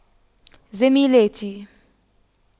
زميلاتي